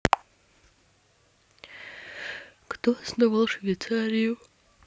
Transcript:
кто основал швейцарию